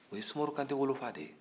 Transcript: o ye sumaworo kantɛ wolofa de ye